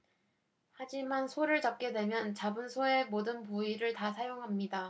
하지만 소를 잡게 되면 잡은 소의 모든 부위를 다 사용합니다